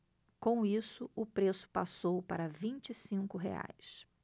com isso o preço passou para vinte e cinco reais